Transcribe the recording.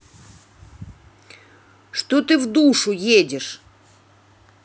что ты в душу едешь